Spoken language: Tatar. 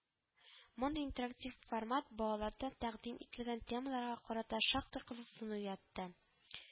Мондый интерактив формат балаларда тәкъдим ителгән темаларга карата шактый кызыксыну уятты